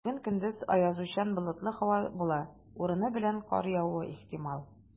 Бүген көндез аязучан болытлы һава була, урыны белән кар явуы ихтимал.